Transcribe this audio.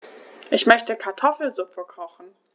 Ich möchte Kartoffelsuppe kochen.